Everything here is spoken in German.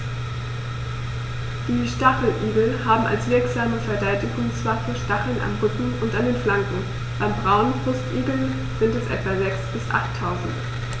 Die Stacheligel haben als wirksame Verteidigungswaffe Stacheln am Rücken und an den Flanken (beim Braunbrustigel sind es etwa sechs- bis achttausend).